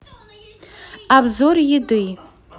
обзор еды